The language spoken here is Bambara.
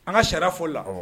An ka sariya fo la